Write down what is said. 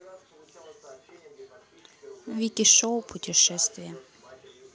вики шоу путешествия